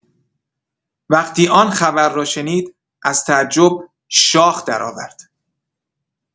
وقتی آن خبر را شنید، از تعجب شاخ درآورد.